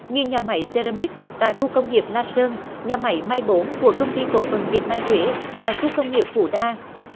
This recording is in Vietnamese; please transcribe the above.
như nhà máy xe re mít tại khu công nghiệp la sơn nhà máy may bốn của công ty cổ phần dệt may huế tại khu công nghiệp phủ đa